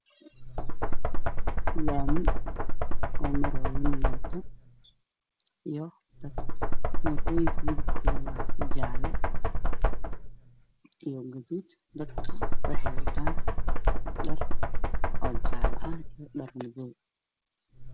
Halkaan waxaa ka muuqdo laami ay isku dhafaan gawaarida waxaana hada ka muuqdo bajaaj guduud ah iyo mid jaalo ah dad meesha way marayaan